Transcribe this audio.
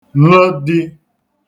lə̣ di